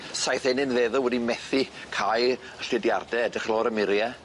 Saithenyn wedi methu cau y llidiarde edrych lowr y murie.